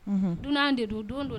Dunan de don don don